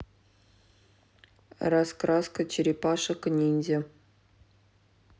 раскраска черепашек ниндзя